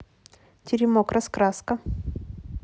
теремок раскраска